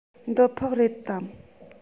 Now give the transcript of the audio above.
འདི ཕག རེད དམ